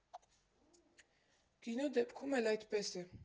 Գինու դեպքում էլ այդպես է։